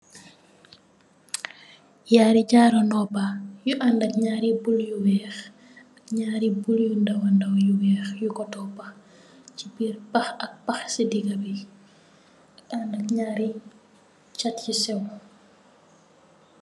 Nyerri jarrou nopa you andack nyerri bol you weck am pahk ci diggi bi andack nyerri chak you sew